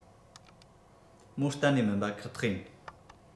མོ གཏན ནས མིན པ ཁག ཐག ཡིན